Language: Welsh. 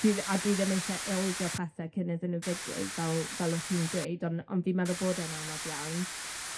Dwi a dwi ddim eisie ildio pethe cyn iddyn nw ddigwydd, fel fel o't ti'n dweud. On' on' fi'n meddwl bod e'n anodd iawn.